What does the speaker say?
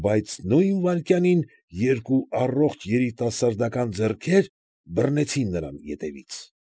Բայց նույն վայրկյանին երկու առողջ երիտասարդական ձեռքեր բռնեցին նրան ետևից։